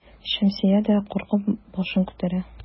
Шәмсия дә куркып башын күтәрә.